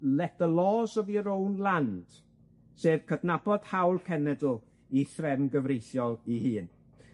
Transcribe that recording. Let the laws of your own land sef cydnabod hawl cenedl i threfn gyfreithiol 'i hun.